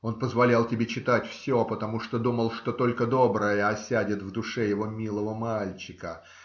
Он позволял тебе читать все, потому что думал, что только доброе осядет в душе его милого мальчика.